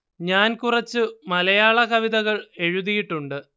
ഞാൻ കുറച്ച് മലയാള കവിതകൾ എഴുതിയിട്ടുണ്ട്